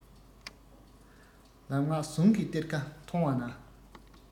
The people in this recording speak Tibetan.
ལམ སྔགས ཟུང གི གཏེར ཁ མཐོང བ ན